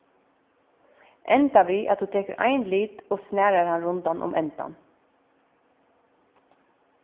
enda við at tú tekur ein lit og snarar hann rundan um endan